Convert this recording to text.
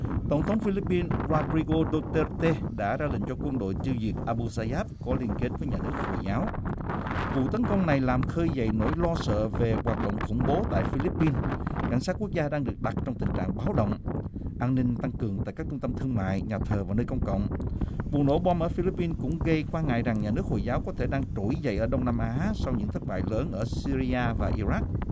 tổng thống phi líp pin ra đi gô đô tôn tê đã ra lệnh cho quân đội tiêu diệt a bu xa dát có liên kết với nhà nước hồi giáo vụ tấn công này làm khơi dậy nỗi lo sợ về hoạt động khủng bố tại phi líp pin cảnh sát quốc gia đang được đặt trong tình trạng báo động an ninh tăng cường tại các trung tâm thương mại nhà thờ và nơi công cộng bùng nổ bom ở phi líp pin cũng gây quan ngại rằng nhà nước hồi giáo có thể đang tối dậy ở đông nam á sau những thất bại lớn ở sia ri a và i rắc